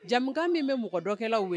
Jamukan min bɛ mɔgɔ dɔkɛlaw wele